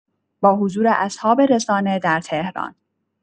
با حضور اصحاب رسانه در تهران